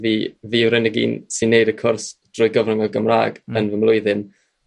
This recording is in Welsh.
fi fi yw'r unig un sy'n neud y cwrs drwy gyfrwng y Gymraeg yn fy mlwyddyn